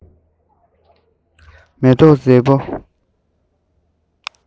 མེ ཏོག མཛེས པོ